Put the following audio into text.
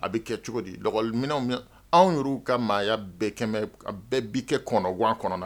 A bɛ kɛ cogo di lɔkɔliminɛnw bɛ anw y'uruw ka maaya bɛɛ kɛmɛ a bɛɛ bi kɛ kɔnɔguwan kɔnɔna